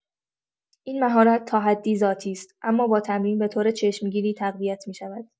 این مهارت تا حدی ذاتی است، اما با تمرین به‌طور چشمگیری تقویت می‌شود.